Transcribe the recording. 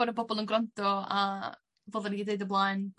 Bo' 'na bobol yn gwrando a fel 'dan ni 'di deud o blaen